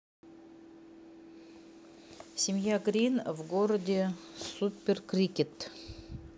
семья грин в городе супер крикет